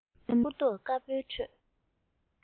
ཨ མའི སྤུ མདོག དཀར པོའི ཁྲོད